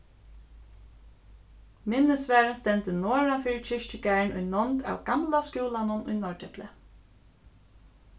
minnisvarðin stendur norðanfyri kirkjugarðin í nánd av gamla skúlanum í norðdepli